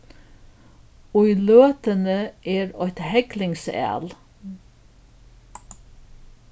í løtuni er eitt heglingsæl